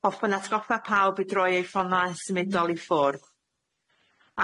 Hoffwn atgoffa pawb i droi eu ffonau symudol i ffwrdd.